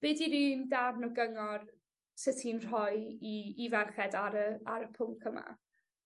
be 'di'r un darn o gyngor se ti'n rhoi i i ferched ar y ar y pwnc yma?